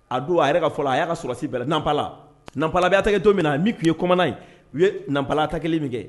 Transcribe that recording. A don a yɛrɛ ka fɔlɔ a y'a sɔrɔsi bɛɛ naan balala na balalayatɛkɛ to min na min tun ye kɔnɔnaman in u ye napla ta kelen min kɛ